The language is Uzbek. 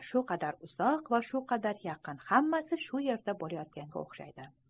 shu qadar uzoq va yaqin hammasi shu yerda bo'layotganga o'xshaydi